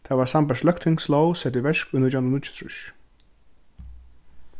tað varð sambært løgtingslóg sett í verk í nítjan hundrað og níggjuogtrýss